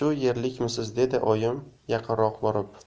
dedi oyim yaqinroq borib